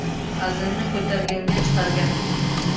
hazilni ko'targanga chiqargan